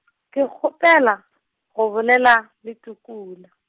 ke kgopela , go bolela, le Tukela.